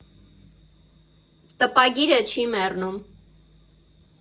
Տպագիրը չի մեռնում.